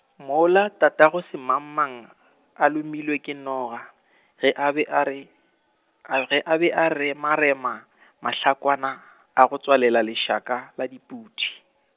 mola tatago semangmang, a lomilwe ke noga, ge a be a re, a ge a be a rema rema, mahlakwana, a go tswalela lešaka la dipudi.